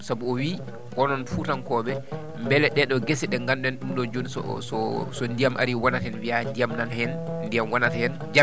sabu o wi onon Fuutankooɓe mbele ɗeɗo gese ɗe nganduɗen ɗum ɗo jooni so so so ndiyam arii wona heen mbiya ndiyam nan heen ndiyam wonat heen